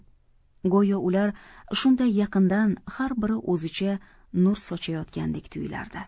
go'yo ular shunday yaqindan har biri o'zicha nur sochayotgandek tuyulardi